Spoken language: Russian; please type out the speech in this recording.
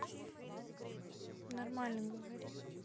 нормально говори